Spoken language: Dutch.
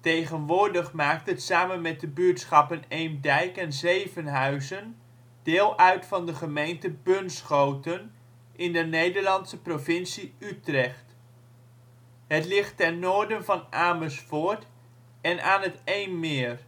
Tegenwoordig maakt het samen met de buurtschappen Eemdijk en Zevenhuizen deel uit van de gemeente Bunschoten, in de Nederlandse provincie Utrecht. Het ligt ten noorden van Amersfoort en aan het Eemmeer